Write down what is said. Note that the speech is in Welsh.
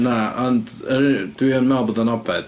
Na, ond yy dwi yn meddwl bod o'n knob head.